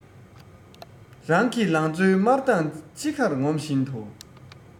རང གི ལང ཚོའི དམར མདངས ཅི དགར ངོམ བཞིན དུ